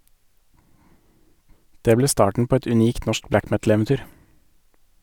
Det ble starten på et unikt norsk black metal-eventyr.